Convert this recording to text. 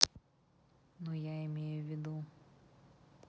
ну я имею ввиду